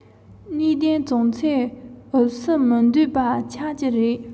འགོ ཁྲིད གསར པ བཙུགས མ ཐག འགན ཡོངས རྫོགས འཁུར དགོས